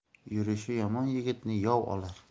yurishi yomon yigitni yov olar